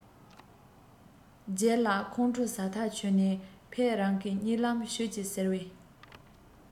ལྗད ལགས ཁོང ཁྲོ ཟ ཐག ཆོད ནས ཕེད རང གིས གཉིད ལམ ཤོད ཀྱིས ཟེར བས